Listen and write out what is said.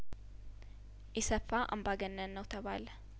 ኢሰፓ አምባገነን ነው ተባለ